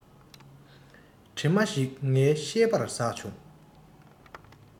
གྲིབ མ ཞིག ངའི ཤེས པར ཟགས བྱུང